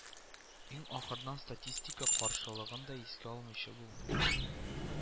Иң ахырдан статистика каршылыгын да искә алмыйча булмый